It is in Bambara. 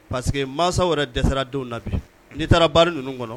Paseke mansa yɛrɛ dɛsɛra denw la n'i taara baara ninnu kɔnɔ